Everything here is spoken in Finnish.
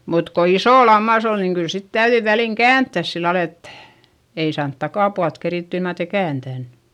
mutta kun iso lammas on niin kyllä sitten täytyi väliin kääntää sillä lailla että ei saanut takapuolta kerittyä ilman että ei kääntänyt